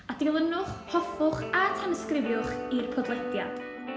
A dilynwch, hoffwch a tanysgrifiwch i'r podleidiad .